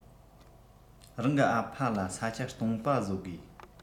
རང གི ཨ ཕ ལ ས ཆ སྟོང པ བཟོ དགོས